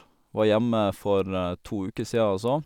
Var hjemme for to uker sia også.